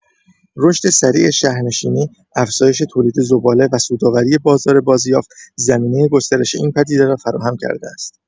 رشد سریع شهرنشینی، افزایش تولید زباله و سودآوری بازار بازیافت، زمینه گسترش این پدیده را فراهم کرده است.